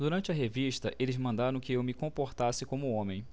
durante a revista eles mandaram que eu me comportasse como homem